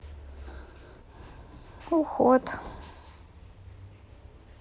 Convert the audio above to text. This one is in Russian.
уход